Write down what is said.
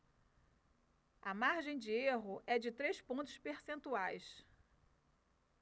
a margem de erro é de três pontos percentuais